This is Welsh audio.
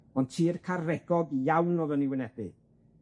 Ond tir caregog iawn o'dd yn 'i wynebu.